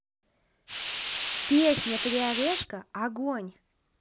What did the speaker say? песня три орешка огонь